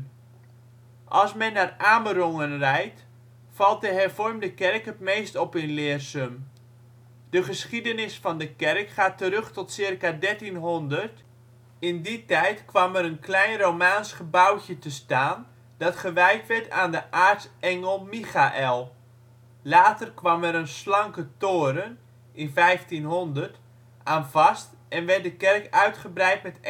Als men naar Amerongen rijdt, valt de Hervormde kerk het meest op in Leersum. De geschiedenis van de kerk gaat terug tot ca. 1300, in die tijd kwam er een klein romaans gebouwtje te staan dat gewijd werd aan de aartsengel Michaël. Later kwam er een slanke toren (1500) aan vast en werd de kerk uitgebreid met